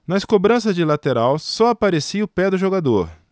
nas cobranças de lateral só aparecia o pé do jogador